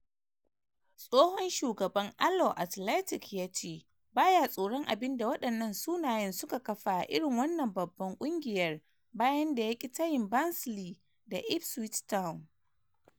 Tsohon shugaban Alloa Athletic ya ce ba ya tsoron abin da wadannan sunayen suka kafa a irin wannan babban kungiyar, bayan da yaki tayin Barnsley da Ipswich Town.